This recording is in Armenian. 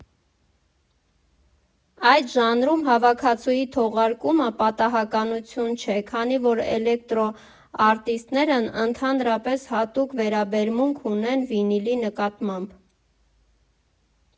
Այդ ժանրում հավաքածուի թողարկումը պատահականություն չէ, քանի որ էլեկտրո արտիստներն ընդհանրապես հատուկ վերաբերմունք ունեն վինիլի նկատմամբ։